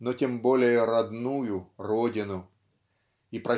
но тем более родную родину. И